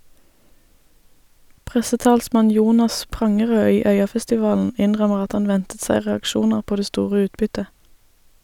Pressetalsmann Jonas Prangerød i Øyafestivalen innrømmer at han ventet seg reaksjoner på det store utbyttet.